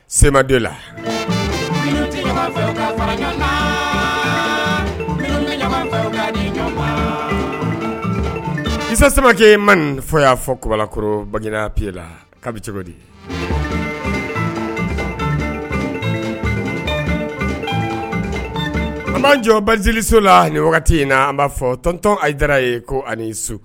Semaden la kisa sebakɛ man fɔ y'a fɔ kobakɔrɔ bagina p la k'a cogo di an b'an jɔ bazeliso la ni wagati in na an b'a fɔ tɔntɔn a diyara ye ko ani su